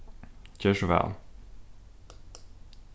ger so væl